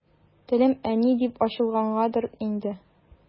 Телем «әни» дип ачылгангадыр инде.